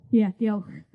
Ie, diolch.